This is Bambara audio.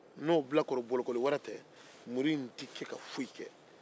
n'o bilakorobolokoli wɛrɛ tɛ muru in tɛ kɛ ka foyi kɛ